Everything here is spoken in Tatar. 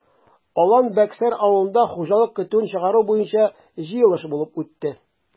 Алан-Бәксәр авылында хуҗалык көтүен чыгару буенча җыелыш булып үтте.